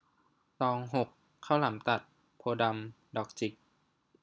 ตองหกข้าวหลามตัดโพธิ์ดำดอกจิก